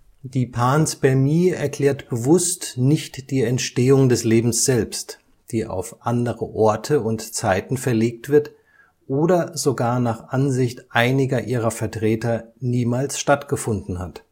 Die Panspermie erklärt bewusst nicht die Entstehung des Lebens selbst, die auf andere Orte und Zeiten verlegt wird oder sogar nach Ansicht einiger ihrer Vertreter niemals stattgefunden hat